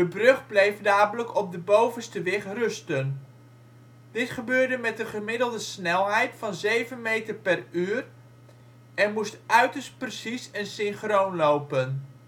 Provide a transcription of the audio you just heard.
brug bleef namelijk op de bovenste wig rusten. Dit gebeurde met een gemiddelde snelheid van zeven meter per uur en moest uiterst precies en synchroon lopen